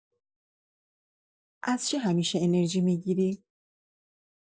از چی همیشه انرژی می‌گیری؟